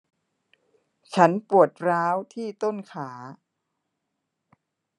ฉันปวดร้าวที่ต้นขา